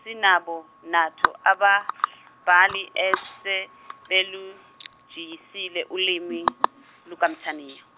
sinabo nathi ababhali asebelujiyisile ulimi lukaMthaniya.